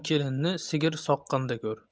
kelinni sigir soqqanda ko'r